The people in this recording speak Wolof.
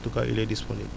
en tout cas il est disponible